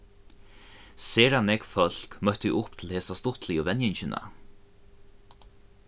sera nógv fólk møttu upp til hesa stuttligu venjingina